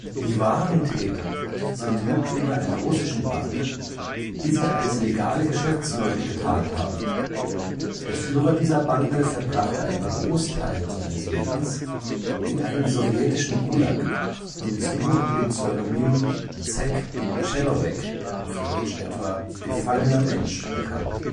Die wahren Täter sind Mitglieder einer russischen Bande, die sich als legale Geschäftsleute getarnt haben. Der Führer dieser Bande verbrachte einen Großteil seines Lebens in einem sowjetischen Gulag und ist nur unter dem Pseudonym Zec Tschelovek (deutsch in etwa: Gefangener Mensch) bekannt